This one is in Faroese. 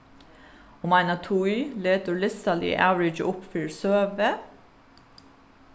um eina tíð letur listaliga avrikið upp fyri søgu